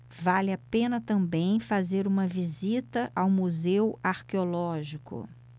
vale a pena também fazer uma visita ao museu arqueológico